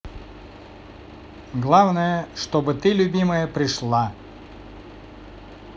главное чтобы ты любимая пришла